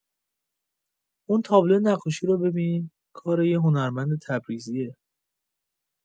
اون تابلو نقاشی رو ببین، کار یه هنرمند تبریزیه.